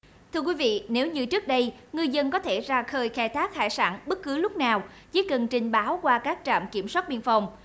thưa quý vị nếu như trước đây ngư dân có thể ra khơi khai thác hải sản bất cứ lúc nào chỉ cần trình báo qua các trạm biên phòng